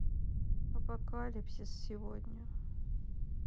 апокалипсис сегодня